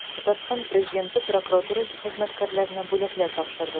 Татарстан Президенты прокуратура хезмәткәрләренә бүләкләр тапшырды.